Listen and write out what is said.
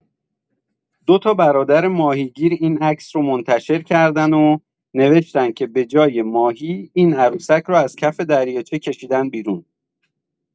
دوتا برادر ماهیگیر این عکس رو منتشر کردن و نوشتن که بجای ماهی، این عروسک رو از کف دریاچه کشیدن بیرون